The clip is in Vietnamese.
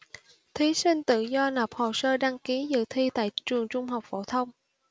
thí sinh tự do nộp hồ sơ đăng ký dự thi tại trường trung học phổ thông